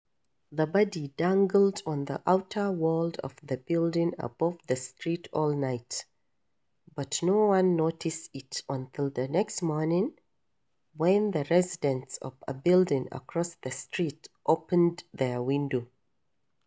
The body dangled on the outer wall of the building above the street all night, but no one noticed it until the next morning when the residents of a building across the street opened their window.